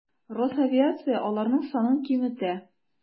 Росавиация аларның санын киметә.